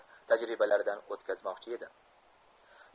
tajribalaridan o'tkazmoqchi edi